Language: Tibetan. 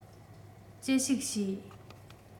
ཅི ཞིག བྱེད